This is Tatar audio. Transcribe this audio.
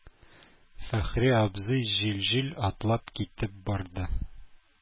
Фәхри абзый җил-җил атлап китеп барды.